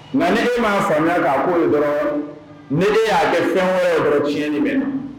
Nka ne e m ma faamuya k'a ko dɔrɔn ne de y'a kɛ fɛn wɛrɛ yɔrɔ tiɲɛɲɛn nin bɛ na